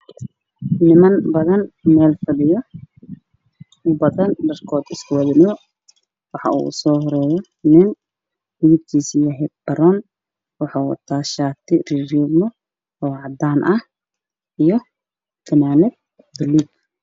Waa meel la iskugu imaadeen niman fara badan kuraas fadhiyaan shaatiya buluug ayey wataan iyo caddaan